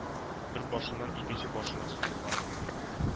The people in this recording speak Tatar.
Бер башыннан икенче башына сузылган